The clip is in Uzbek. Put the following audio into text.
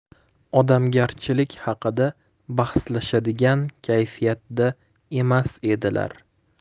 odamgarchilik xaqida baxslashadigan kayfiyatda emas edilar